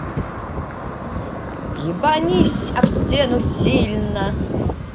ебанись об стену сильно